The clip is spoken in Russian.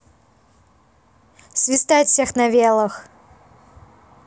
свистать всех на велах